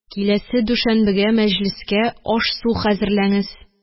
Киләсе дүшәнбегә мәҗлескә аш-су хәзерләңез